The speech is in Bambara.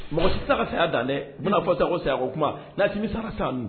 Mɔgɔ sisan se ka saya dan dɛ n bɛnaa fɔ taa ko saya o kuma na bɛ sara sa